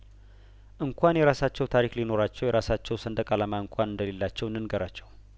እንኳን የራሳቸው ታሪክ ሊኖራቸው የራሳቸው ሰንደቅ አላማ እንኳን እንደሌላቸው እንንገራቸው